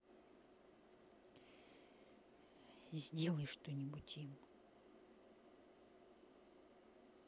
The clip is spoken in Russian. сделай что нибудь им